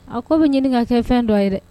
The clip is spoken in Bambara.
A ko bɛ ɲininka ka kɛ fɛn dɔ ye